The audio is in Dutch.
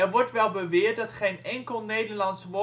wordt wel beweerd dat geen enkel Nederlands